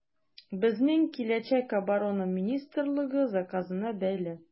Безнең киләчәк Оборона министрлыгы заказына бәйле.